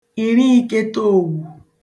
ìri iketeòwù